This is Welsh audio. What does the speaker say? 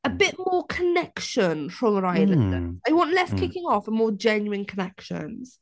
a bit more connection rhwng yr islanders. I want less kicking off and more genuine connections.